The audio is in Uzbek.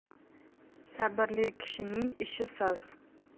sabrli kishining ishi soz